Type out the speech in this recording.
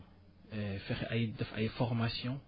et fexe ay def ay formations